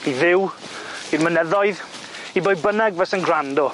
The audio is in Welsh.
i Dduw i'r mynyddoedd, i bwy bynnag fyse'n gwrando.